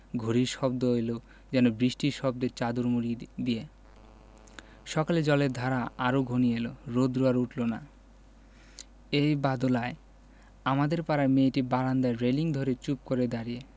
ঘড়ির শব্দ এল যেন বৃষ্টির শব্দের চাদর মুড়ি দিয়ে সকালে জলের ধারা আরো ঘনিয়ে এল রোদ্র আর উঠল না এই বাদলায় আমাদের পাড়ার মেয়েটি বারান্দায় রেলিঙ ধরে চুপ করে দাঁড়িয়ে